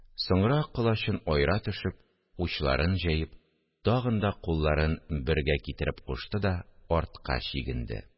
Соңра колачын аера төшеп, учларын җәеп, тагын да кулларын бергә китереп кушты да артка чигенде